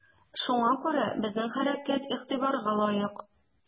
Шуңа күрә безнең хәрәкәт игътибарга лаек.